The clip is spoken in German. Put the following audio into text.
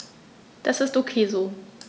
Das ist ok so.